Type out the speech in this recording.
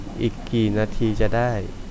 อีกกี่นาทีจะได้